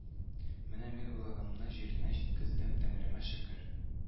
Менә мин уйлаганымны җиренә җиткездем тәңремә шөкер